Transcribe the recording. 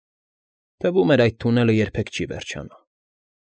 Թվում էր այդ թունելը երբեք չի վերջանա։